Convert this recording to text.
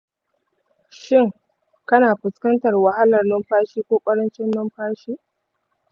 shin kana fuskantar wahalar numfashi ko ƙarancin numfashi?